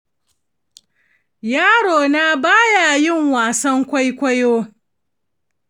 yarona ba ya yin wasan kwaikwayo